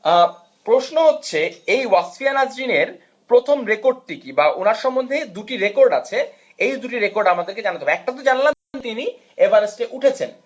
প্রশ্ন হচ্ছে এই ওয়াসফিয়া নাজরীনের প্রথম রেকর্ড টি কি বা উনার সম্বন্ধে দুটি রেকর্ড আছে এই দুটি রেকর্ড আমাদেরকে জানতে হবে একটা তো জানলাম তিনি এভারেস্টে উঠেছেন